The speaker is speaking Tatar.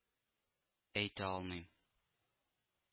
Әйтә алмыйм